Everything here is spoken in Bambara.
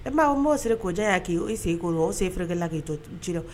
O kuma I m'a o siri ko jaya kI sen fereke o la. O ye se ferekela k'i to jirɔ